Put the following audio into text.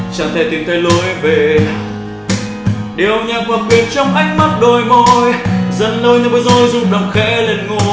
chẳng thể tìm thấy lối về eh điệu nhạc hòa quyện trong ánh mắt đôi môi dẫn lối những bối rối rung động khẽ lên ngôi